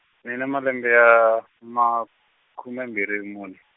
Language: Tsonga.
ni na malembe ya, ma khume mbirhi mune.